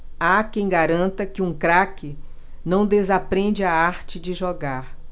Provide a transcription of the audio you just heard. há quem garanta que um craque não desaprende a arte de jogar